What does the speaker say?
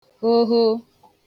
hoho